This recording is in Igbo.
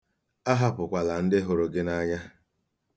Ahapụkwala ndị hụrụ gị n'anya.